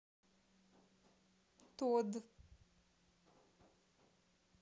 тод